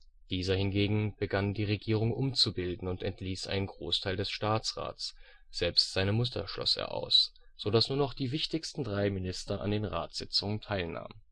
Dieser hingegen begann die Regierung umzubilden und entließ einen Großteil des Staatsrats, selbst seine Mutter schloss er aus, so dass nur noch die wichtigsten drei Minister an den Ratssitzungen teilnahmen